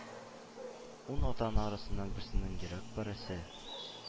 Ун ата-ана арасыннан берсенең йөрәк парәсе